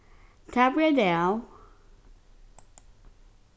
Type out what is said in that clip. tað breyt av